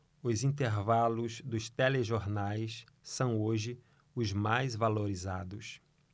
os intervalos dos telejornais são hoje os mais valorizados